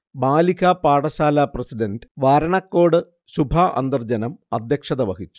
ബാലികാപാഠശാല president Varanakode Shubha Antharjanam അധ്യക്ഷത വഹിച്ചു